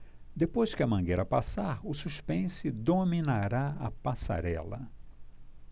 depois que a mangueira passar o suspense dominará a passarela